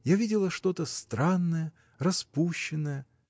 Я видела что-то странное, распущенное.